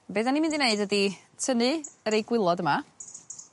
be' 'dan ni' mynd i neud ydi tynnu y rei gwilod yma